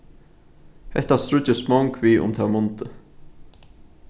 hetta stríddust mong við um tað mundið